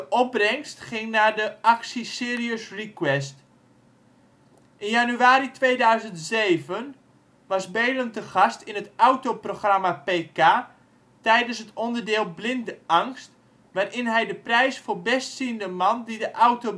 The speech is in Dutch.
opbrengst ging naar de actie Serious Request. In januari 2007 was Beelen te gast in het autoprogramma PK tijdens het onderdeel Blinde Angst, waarin hij de prijs voor bestziende man die de auto